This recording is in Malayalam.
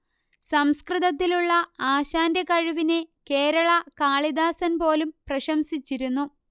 സംസ്കൃതത്തിലുള്ള ആശാന്റെ കഴിവിനെ കേരള കാളിദാസൻ പോലും പ്രശംസിച്ചിരുന്നു